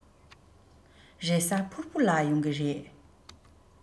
རེས གཟའ ཕུར བུ ལ ཡོང གི རེད